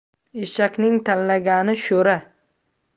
eshakning tanlagani sho'ra